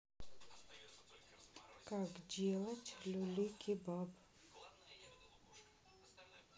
как делать люля кебаб